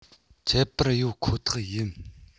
ཁྱད པར ཡོད ཁོ ཐག ཡིན